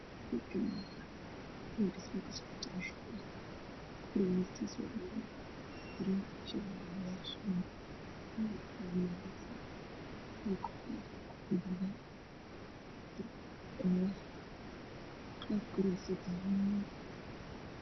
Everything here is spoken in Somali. Meeshaan oo guri dhismo ku socoto waxaa korkiisa ka tagtaagan biro waxaana guriga dushiisa saaran niman dhisayo guriga